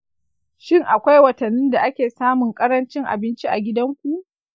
shin akwai watannin da ake samun ƙarancin abinci a gidanku?